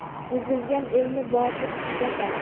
buzilgan elni botir tuzatar